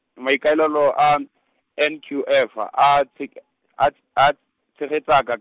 maikaelelo a , N Q F a tshek-, a ts-, a tshegetsaka-.